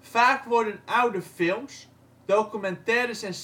Vaak worden oude films, documentaires en